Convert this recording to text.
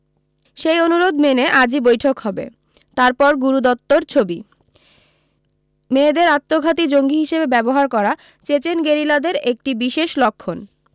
সেই অনুরোধ মেনে আজই বৈঠক হবে তার পর গুরু দত্তর ছবি মেয়েদের আত্মঘাতী জঙ্গি হিসেবে ব্যবহার করা চেচেন গেরিলাদের একটি বিশেষ লক্ষণ